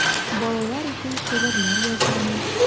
Балалар өчен шигырьләр язган ул.